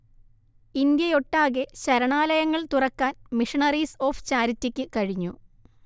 ഇന്ത്യയൊട്ടാകെ ശരണാലയങ്ങൾ തുറക്കാൻ missionaries of ചാരിറ്റിക്ക് കഴിഞ്ഞു